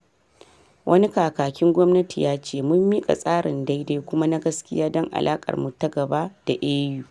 Wani kakakin gwamnati ya ce: “Mun mika tsarin daidai kuma na gaskiya don alakar mu ta gaba da EU.”